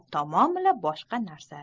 tamomila boshqa narsa